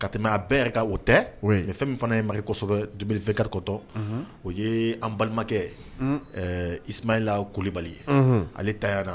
Ka tɛmɛ a bɛɛ yɛrɛ o tɛ ye fɛn min fana ye ma kɔsɔ dufekarikɔtɔ o ye an balimakɛumanla kolibali ye ale ta na